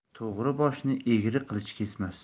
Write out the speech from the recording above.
to'g'ri boshni egri qilich kesmas